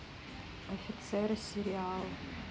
офицеры сериал